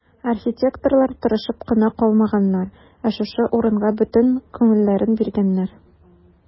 Архитекторлар тырышып кына калмаганнар, ә шушы урынга бөтен күңелләрен биргәннәр.